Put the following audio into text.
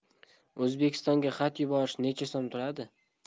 o'zbekistonga xat yuborish necha so'm turadi